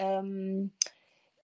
yym